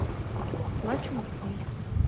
плачу фейс